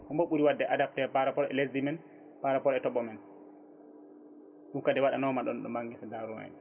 hombo ɓuuri wadde adapté par rapport e leydi men par rapport e tooɓo men ɗum kadi waɗanoma ɗo magasin Darou